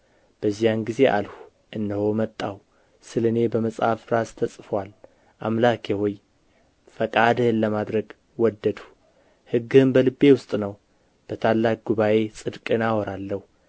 በዚያን ጊዜ አልሁ እነሆ መጣሁ ስለ እኔ በመጽሐፍ ራስ ተጽፎአል አምላኬ ሆይ ፈቃድህን ለማድረግ ወደድሁ ሕግህም በልቤ ውስጥ ነው በታላቅ ጉባኤ ጽድቅን አወራሁ